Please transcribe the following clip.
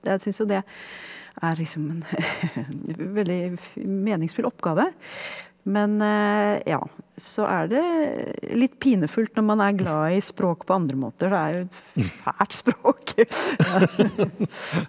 jeg syns jo det er liksom en en veldig meningsfull oppgave men ja så er det litt pinefullt når man er glad i språk på andre måter det er jo et fælt språk .